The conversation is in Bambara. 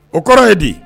O kɔrɔ ye di